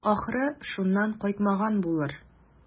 Ахры, шуннан кайтмаган булыр.